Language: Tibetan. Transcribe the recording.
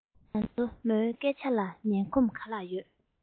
ང ཚོ མོའི སྐད ཆ ལ ཉན ཁོམ ག ལ ཡོད